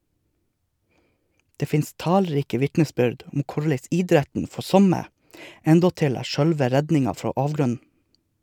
Det finst talrike vitnesbyrd om korleis idretten for somme endåtil er sjølve redninga frå avgrunnen.